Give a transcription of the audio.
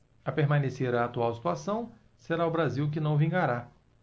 a permanecer a atual situação será o brasil que não vingará